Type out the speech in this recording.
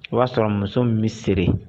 O y'a sɔrɔ muso min bɛi siri